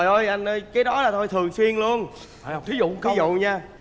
trời ơi anh ơi cái đó là thôi thường xuyên luôn thí dụ thí dụ nha